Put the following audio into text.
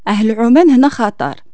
اه العومان هنا خطر